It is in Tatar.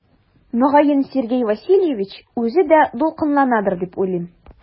Мөгаен Сергей Васильевич үзе дә дулкынланадыр дип уйлыйм.